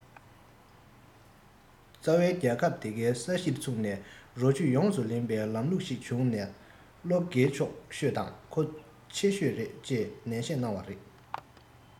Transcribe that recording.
རྩ བ རྒྱལ ཁབ དེ གའི ས གཞིར ཚུགས ནས རོ བཅུད ཡོངས སུ ལེན པའི ལམ ལུགས ཤིག བྱུང ན བློས འགེལ ཆོག ཤོས དང མཁོ ཆེ ཤོས རེད ཅེས ནན བཤད གནང བ རེད